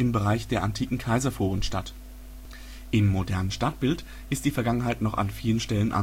Bereich der antiken Kaiserforen statt. Im modernen Stadtbild ist die Vergangenheit noch an vielen Stellen